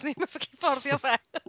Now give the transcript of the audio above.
'Swn i ddim yn ffycin fforddio fe!